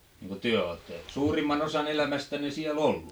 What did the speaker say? no kun te olette suurimman osan elämästänne siellä ollut